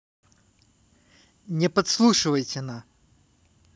не подслушивайте на